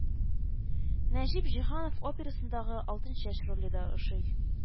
Нәҗип Җиһанов операсындагы Алтынчәч роле дә ошый